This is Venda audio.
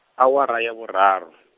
awara ya vhuraru.